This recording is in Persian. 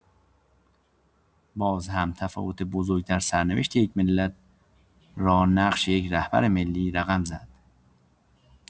بازهم تفاوت بزرگ در سرنوشت یک ملت را نقش یک رهبر ملی رقم زد.